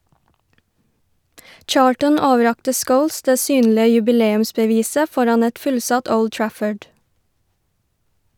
Charlton overrakte Scholes det synlige jubileumsbeviset foran et fullsatt Old Trafford.